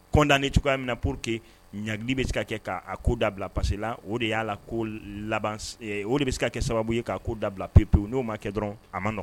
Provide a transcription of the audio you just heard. Kɔntan ni cogoya min na pour que ɲali bɛ se ka kɛ k'a ko dabila pasila o de y'a la ko laban o de bɛ se ka kɛ sababu ye k'a ko dabila p peere pewu n'o ma kɛ dɔrɔn a maɔgɔn